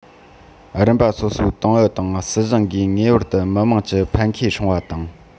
རིམ པ སོ སོའི ཏང ཨུ དང སྲིད གཞུང གིས ངེས པར དུ མི དམངས ཀྱི ཕན ཁེ སྲུང བ དང